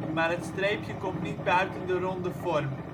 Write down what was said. maar het streepje komt niet buiten de ronde vorm.